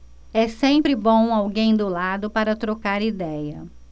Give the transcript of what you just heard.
é sempre bom alguém do lado para trocar idéia